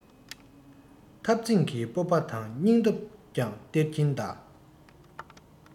འཐབ འཛིང གི སྤོབས པ དང སྙིང སྟོབས ཀྱང སྟེར གྱིན གདའ